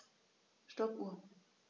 Stoppuhr.